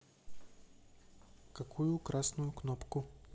какую красную кнопку